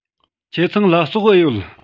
ཁྱེད ཚང ལ ཟོག འུ ཡོད